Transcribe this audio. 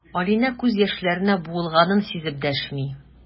Алинә күз яшьләренә буылганын сизеп дәшми.